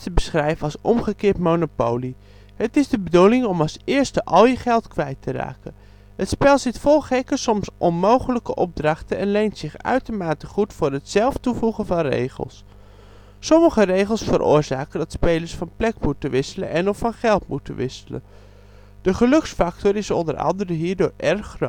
beschrijven als omgekeerd Monopoly. Het is de bedoeling om als eerste al je geld kwijt te raken. Het spel zit vol gekke (soms onmogelijke) opdrachten en leent zich uitermate goed voor het zelf toevoegen van (zelf bedachte) regels. Sommige regels veroorzaken dat spelers van plek moeten wisselen en/of van geld moeten wisselen. De geluksfactor is onder andere hierdoor erg